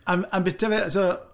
A'n a'n byta fe, so...